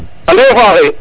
ande faaxe